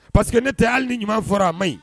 Parce que ne tɛ ye hali ni ɲuman fɔra a man ɲi.